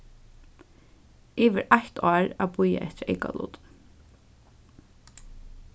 yvir eitt ár at bíða eftir eykalutum